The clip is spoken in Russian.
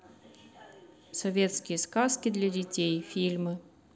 советские сказки для детей фильмы